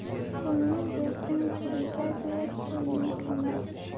pulni bersang pulliga ber puling kuymas